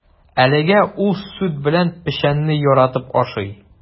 Әлегә ул сөт белән печәнне яратып ашый.